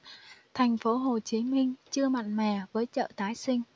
thành phố hồ chí minh chưa mặn mà với chợ tái sinh